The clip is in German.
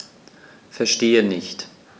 Verstehe nicht.